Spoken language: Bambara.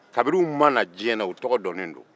kabini u ma na diɲɛ na u tɔgɔ donnen don